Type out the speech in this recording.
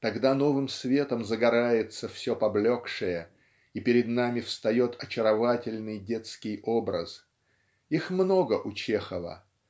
тогда новым светом загорается все поблекшее и перед нами встает очаровательный детский образ. Их много у Чехова